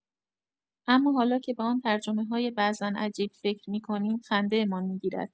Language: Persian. اما حالا که به آن ترجمه‌های بعضا عجیب فکر می‌کنیم، خنده‌مان می‌گیرد.